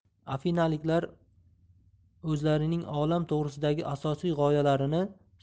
afinaliklar o'zlaryning olam to'g'risidagi asosiy goyalarini